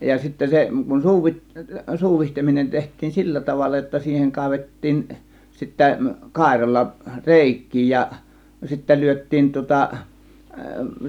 ja sitten se kun - suuditseminen tehtiin sillä tavalla jotta siihen kaivettiin sitten kairalla reikiä ja sitten lyötiin tuota